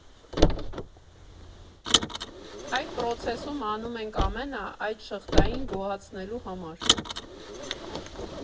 Այդ պրոցեսում անում ենք ամենը այդ շղթային գոհացնելու համար։